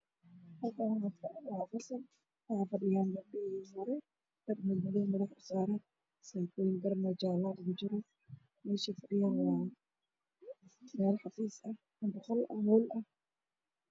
Waa naago oo gaalo ah oo aan isturneyn